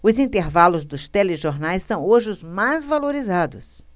os intervalos dos telejornais são hoje os mais valorizados